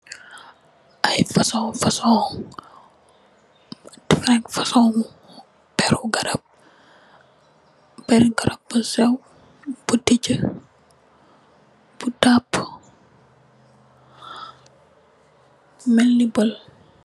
Ay fasung, fasung different fasung pèru garap. Pèru garab bu sew, bu dija, bu tapu mèlni ball.